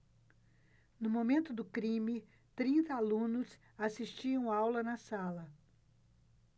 no momento do crime trinta alunos assistiam aula na sala